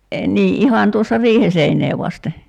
niin ihan tuossa riihen seinää vasten